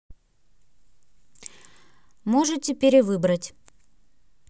можете перевыбрать